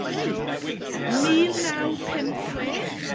Reit, mil naw pump chwech.